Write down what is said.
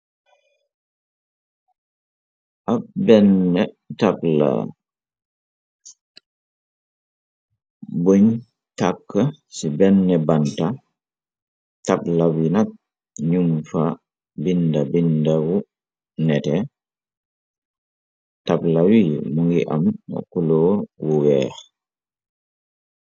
Ab benna tabla buñ takka ci benna banta tablawi nak num fa binda binda yu nete tabla wi mongi am kuloor bu weex.